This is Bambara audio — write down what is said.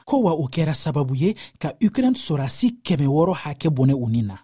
ko wa o kɛra sababu ye ka ukraine sɔrasi kɛmɛ wɔɔrɔ hakɛ bɔnɛ u ni la